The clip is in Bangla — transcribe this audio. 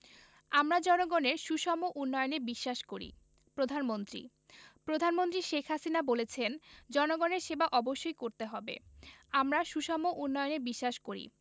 আমরা জনগণের সুষম উন্নয়নে বিশ্বাস করি প্রধানমন্ত্রী প্রধানমন্ত্রী শেখ হাসিনা বলেছেন জনগণের সেবা অবশ্যই করতে হবে আমরা সুষম উন্নয়নে বিশ্বাস করি